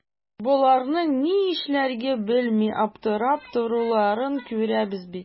Боларның ни эшләргә белми аптырап торуларын күрәбез бит.